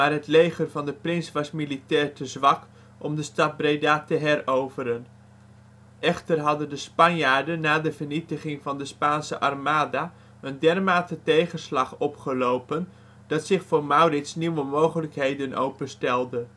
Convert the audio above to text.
het leger van de prins was militair te zwak om de stad Breda te heroveren. Echter hadden de Spanjaarden na de vernietiging van de Spaanse Armada een dermate tegenslag opgelopen, dat zich voor Maurits nieuwe mogelijkheden openstelden